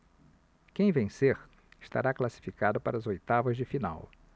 quem vencer estará classificado para as oitavas de final